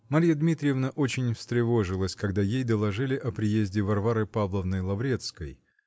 Марья Дмитриевна очень встревожилась, когда ей доложили о приезде Варвары Павловны Лаврецкой